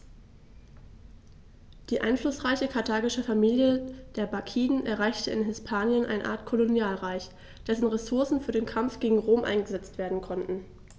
Die einflussreiche karthagische Familie der Barkiden errichtete in Hispanien eine Art Kolonialreich, dessen Ressourcen für den Kampf gegen Rom eingesetzt werden konnten.